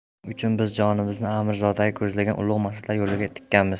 shuning uchun biz jonimizni amirzodam ko'zlagan ulug' maqsadlar yo'liga tikkanmiz